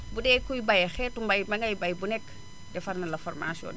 budee kuy bay xeetu mbay ma ngay bay bu nekk defal nañ la formation